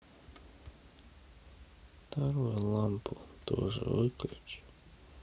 вторую лампу тоже выключи